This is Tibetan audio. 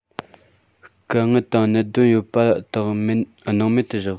དཀའ ངལ དང གནད དོན ཡོད པ དག སྣང མེད དུ བཞག